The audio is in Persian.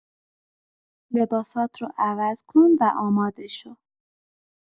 لباسات رو عوض کن و آماده شو